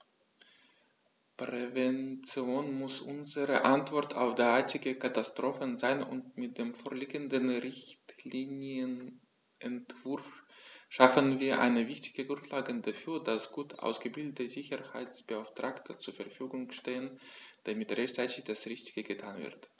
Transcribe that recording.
Prävention muss unsere Antwort auf derartige Katastrophen sein, und mit dem vorliegenden Richtlinienentwurf schaffen wir eine wichtige Grundlage dafür, dass gut ausgebildete Sicherheitsbeauftragte zur Verfügung stehen, damit rechtzeitig das Richtige getan wird.